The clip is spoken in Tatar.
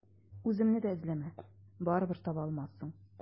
Үземне дә эзләмә, барыбер таба алмассың.